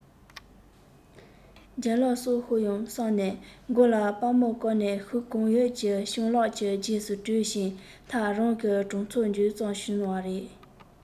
ལྗད ལགས སྲོག ཤོར ཡོང བསམ ནས མགོ ལ སྦར མོ བཀབ ནས ཤུགས གང ཡོད ཀྱིས སྤྱང ལགས ཀྱི རྗེས སུ བྲོས ཕྱིན མཐར རང གི གྲོང ཚོར འབྱོར ཙམ བྱུང བ རེད